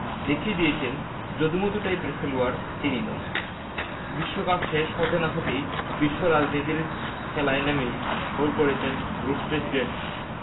দেখিয়ে দিয়েছেন যদু মধু টাইপের খেলোয়াড় তিনি নন বিশ্বকাপ শেষে হতে না হতেই বিশ্ব রাজনীতির খেলায় নেমেই গোল পেয়েছেন রুশ প্রেসিডেন্ট